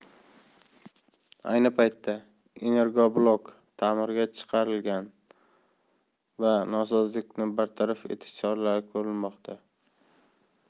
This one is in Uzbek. ayni paytda energoblok ta'mirga chiqarilgan va nosozlikni bartaraf etish choralari ko'rilmoqda